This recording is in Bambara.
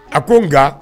A ko nka